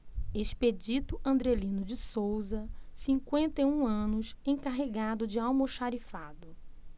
expedito andrelino de souza cinquenta e um anos encarregado de almoxarifado